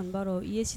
N' i ye sigi